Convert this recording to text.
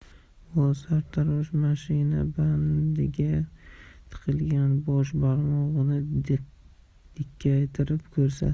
vo sartarosh mashina bandiga tiqilgan bosh barmog'ini dikkaytirib ko'rsatdi